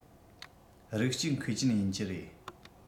རིགས གཅིག མཁས ཅན ཡིན གྱི རེད